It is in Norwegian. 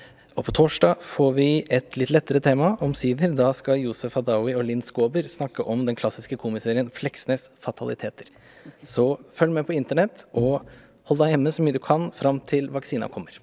og på torsdag får vi et litt lettere tema, omsider, da skal Yousef Hadaoui og Linn Skåber snakke om den klassiske komiserien Fleksnes' Fataliteter, så følg med på internett og hold deg hjemme så mye du kan fram til vaksinen kommer!